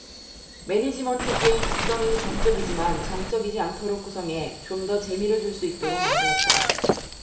매니지먼트 게임 특성이 정적이지만 정적이지 않도록 구성해 좀 더 재미를 줄 수 있도록 만들었다